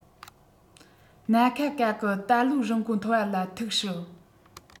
སྣ ཁ ག གི ད ལོའི རིན གོང མཐོ བ ལ ཐུག སྲིད